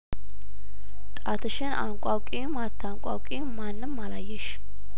ጣትሽን አንቋቂውም አታንቋቂውም ማንም አላየሽ